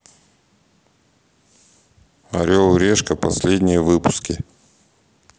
орел и решка последние выпуски